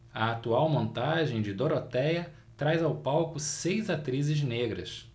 a atual montagem de dorotéia traz ao palco seis atrizes negras